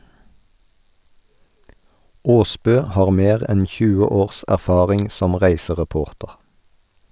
Aasbø har mer enn 20 års erfaring som reisereporter.